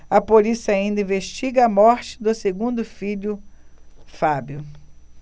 a polícia ainda investiga a morte do segundo filho fábio